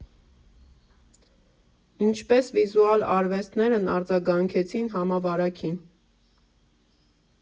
Ինչպես վիզուալ արվեստներն արձագանքեցին համավարակին։